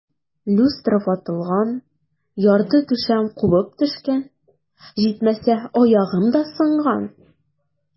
Люстра ватылган, ярты түшәм кубып төшкән, җитмәсә, аягым да сынган.